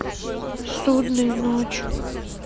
судный ночь